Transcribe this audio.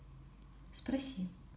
спроси